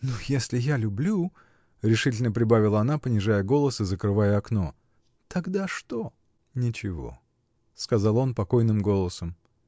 Ну, если я люблю, — решительно прибавила она, понижая голос и закрывая окно, — тогда что? — Ничего! — сказал он покойным голосом.